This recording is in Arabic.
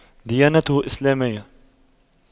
ديانته إسلامية